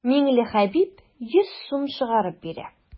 Миңлехәбиб йөз сум чыгарып бирә.